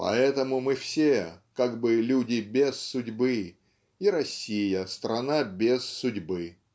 поэтому мы все как бы люди без судьбы и Россия страна без судьбы",